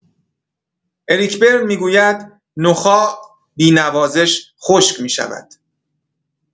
اریک برن می‌گوید: نخاع، بی‌نوازش خشک می‌شود.